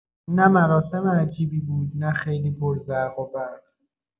نه مراسم عجیبی بود، نه خیلی پرزرق‌وبرق.